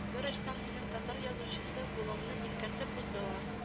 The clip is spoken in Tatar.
Бер очтан минем татар язучысы булуымны искәртеп уздылар